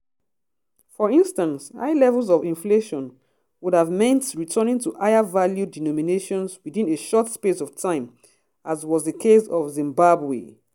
For instance, high levels of inflation, would have meant returning to higher value denominations within a short space of time, as was the case in Zimbabwe.